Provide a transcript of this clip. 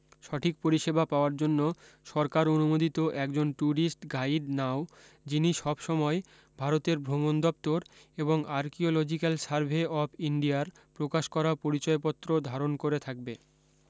সঠিক পরিষেবা পাওয়ার জন্য সরকার অনুমোদিত একজন টুরিষ্ট গাইড নাও যিনি সবসময় ভারতীয় ভ্রমণদপ্তর এবং আর্কিওলজিকাল সার্ভে অফ ইন্ডিয়ার প্রকাশ করা পরিচয়পত্র ধারন করে থাকবে